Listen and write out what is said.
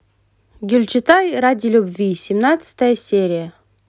гюльчатай ради любви семнадцатая серия